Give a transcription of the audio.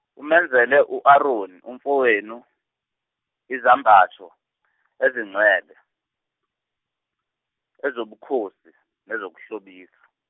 umenzele u Aroni umfowenu izambatho ezingcwele, ezobukhosi nezokuhlobisa.